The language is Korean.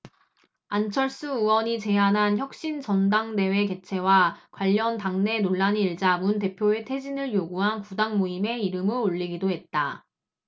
안철수 의원이 제안한 혁신 전당대회 개최와 관련 당내 논란이 일자 문 대표의 퇴진을 요구한 구당모임에 이름을 올리기도 했다